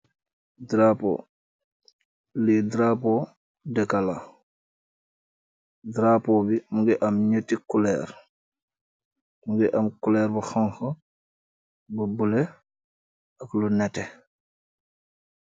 Darapo, lii drapo dekala. Darapo bi munga am nëtti kuloor. Munga am kuloor bu xoñxa, bu bulo ak lu nete.